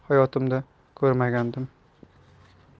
holatni hayotimda ko'rmagandim